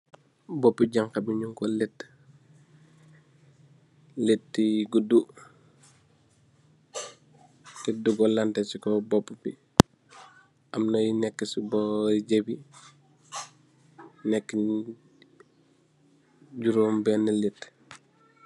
Bopi Janha bi nyungko leeta leeti yu guduu teh dugalanteh sey kaw bopu bi amna nyu neka sey bori jeebi neka ni jurombini leeti.